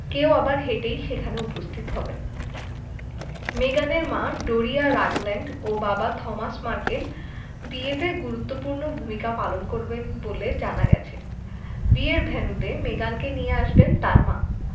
কেউ আবার হেঁটেই সেখানে উপস্থিত হবেন মেগানের মা ডোরিয়া রাগল্যান্ড ও বাবা থমাস মার্কেল বিয়েতে গুরুত্বপূর্ণ ভূমিকা পালন করবেন বলে জানা গেছে বিয়ের ভেন্যুতে মেগানকে নিয়ে আসবেন তাঁর মা